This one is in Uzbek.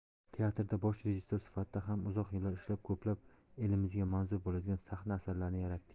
teatrda bosh rejissor sifatida ham uzoq yillar ishlab ko'plab elimizga manzur bo'ladigan sahna asarlarini yaratdik